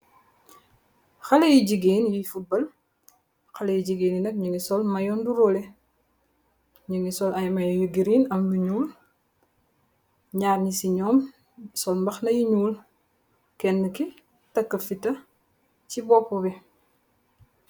Xale yu jigeen yu futbal, xale yu jigeen yi nak nyingi sol mayoo ndurole, nyun ngi sol ay mayo yu giren, am lu nyuul, nyaar nyi si nyom, sol mbaxana yu nyuul, kennen ki, tekk fita si boppu bi,